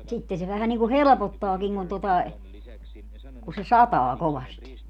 sitten se vähän niin kuin helpottaakin kun tuota - kun se sataa kovasti